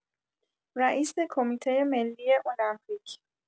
رئیس کمیته ملی المپیک